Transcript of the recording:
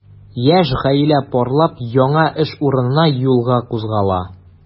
Яшь гаилә парлап яңа эш урынына юлга кузгала.